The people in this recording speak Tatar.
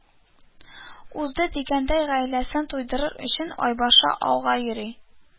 Узды дигәндәй, гаиләсен туйдырыр өчен айбаш ауга йөри